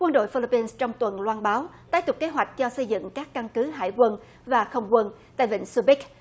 quân đội phi líp pin trong tuần loan báo tiếp tục kế hoạch cho xây dựng các căn cứ hải quân và không quân tại vịnh su bích